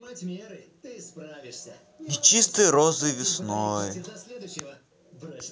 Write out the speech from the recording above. нечистые розы весной